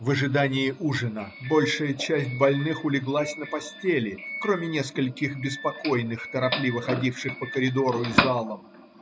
в ожидании ужина большая часть больных улеглась на постели, кроме нескольких беспокойных, торопливо ходивших по коридору и залам.